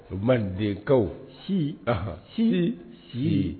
O mandenkaw si a su si